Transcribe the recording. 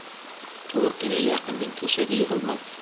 to'rkini yaqinning to'shagi yig'ilmas